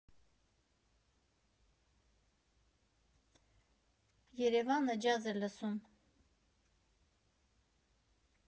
Երևանը ջազ է լսում։